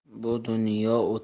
bu dunyo o'tar